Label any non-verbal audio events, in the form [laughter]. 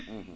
[hesitation] [hesitation]